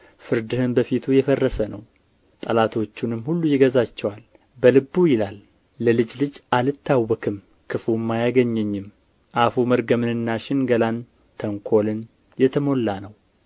ፍርድህም በፊቱ የፈረሰ ነው ጠላቶችንም ሁሉ ይገዛቸዋል በልቡ ይላል ለልጅ ልጅ አልታወክም ክፉም አያገኘኝም አፉ መርገምንና ሽንገላን ተንኰልን የተመላ ነው